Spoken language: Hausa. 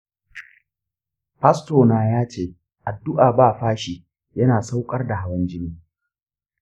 pastor na yace addu'a ba fashi yana saukar da hawan jini.